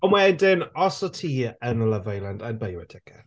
Ond wedyn os o't ti yn Love Island I'd buy you a ticket.